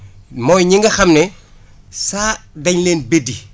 mooy ñi nga xam ne saa dañ leen beddi